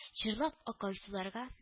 Җырлап аккан суларга